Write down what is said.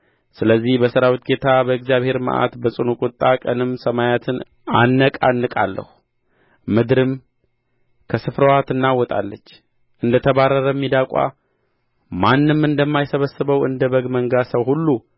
ስለዚህ በሠራዊት ጌታ በእግዚአብሔር መዓት በጽኑ ቍጣ ቀንም ሰማያትን አነቃንቃለሁ ምድርም ከስፍራዋ ትናወጣለች እንደ ተባረረም ሚዳቋ ማንም እንደማይሰበስበው እንደ በግ መንጋ ሰው ሁሉ